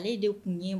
Ale de tun ye